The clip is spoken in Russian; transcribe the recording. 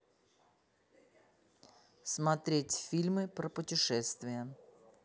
смотреть фильмы про путешествия